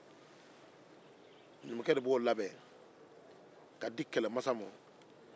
numukɛ de b'o labɛn ka di kelɛmasa ma